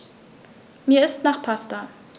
Mir ist nach Pasta.